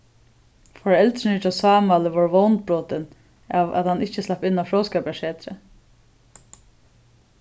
foreldrini hjá sámali vóru vónbrotin av at hann ikki slapp inn á fróðskaparsetrið